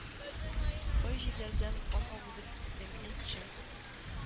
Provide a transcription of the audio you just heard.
Кай җирләрдән кан агызып килдең, әйтче,